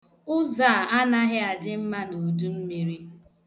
Ụzọ a anaghị adị mma n'udummiri.